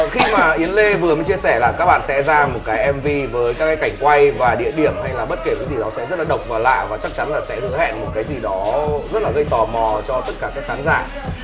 khi mà yến lê vừa mới chia sẻ là các bạn sẽ ra một cái em vi với các cái cảnh quay và địa điểm hay là bất kể điều gì đó sẽ rất là độc và lạ và chắc chắn là sẽ hứa hẹn một cái gì đó rất là gây tò mò cho tất cả các khán giả